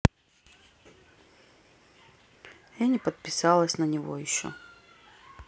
я не подписалась на него еще